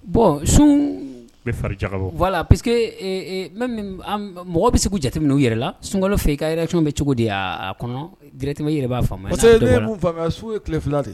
Bɔn sun bɛ fari jakabɔ' la p parce que mɔgɔ bɛ se jateminɛ n'u yɛrɛ la sunkalo fɛ i ka yɛrɛc bɛ cogo de'a kɔnɔ gɛrɛtɛmɛ yɛrɛ b'a ye tile fila de